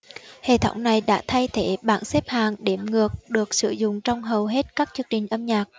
hệ thống này đã thay thế bảng xếp hạng đếm ngược được sử dụng trong hầu hết các chương trình âm nhạc